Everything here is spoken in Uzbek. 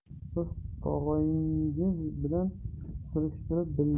biz tog'oyingiz bilan surishtirib bildik